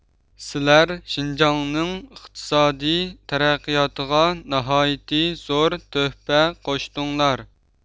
سىلەر شىنجاڭنىڭ ئىقتىسادىي تەرەققىياتىغا ناھايىتى زور تۆھپە قوشتۇڭلار